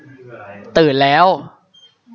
ตื่นแล้ว